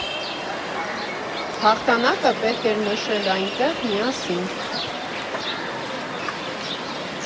Հաղթանակը պետք էր նշել այնտեղ, միասին։